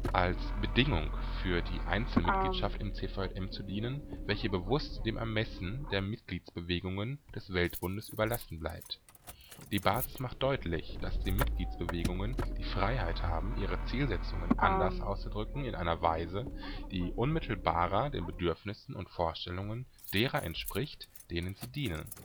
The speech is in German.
als Bedingung für die Einzelmitgliedschaft im CVJM zu dienen, welche bewusst dem Ermessen der Mitgliedsbewegungen des Weltbundes überlassen bleibt. Die Basis macht deutlich, dass die Mitgliedsbewegungen die Freiheit haben, ihre Zielsetzungen anders auszudrücken, in einer Weise, die unmittelbarer den Bedürfnissen und Vorstellungen derer entspricht, denen sie dienen